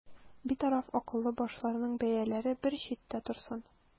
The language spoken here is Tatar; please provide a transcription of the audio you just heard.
Битараф акыллы башларның бәяләре бер читтә торсын.